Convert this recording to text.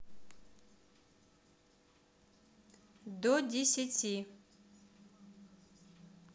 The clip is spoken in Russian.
до десяти